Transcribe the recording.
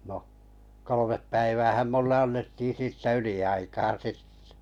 no kolme päiväähän minulle annettiin siitä yliaikaa sitten